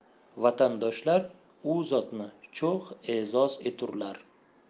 vatandoshlar u zotni cho'x e'zoz eturlar